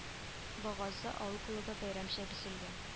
Багазы авыл клубы бәйрәмчә бизәлгән